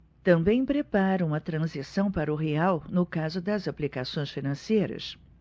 também preparam a transição para o real no caso das aplicações financeiras